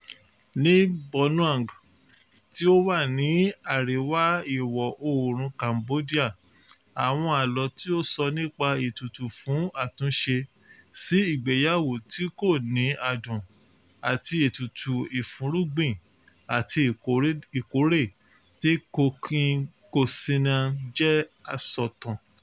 Ní Bunong, tí ó wà ní àríwá ìwọ-oòrùn Cambodia, àwọn àlọ́ tí ó sọ nípa ètùtù fún àtúnṣe sí ìgbéyàwó tí kò ní adùn àti ètùtù ìfọ́nrúgbìn àti ìkórè tí Khoeuk Keosineam jẹ́ asọ̀tàn.